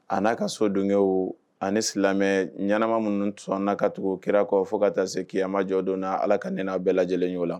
A n'a ka so donke ani silamɛ ɲɛnama minnu sɔn n'a ka tugu kira kɔ fo ka taa se k keyamajɔdon ala ka n'a bɛɛ lajɛlen ɲɔgɔno la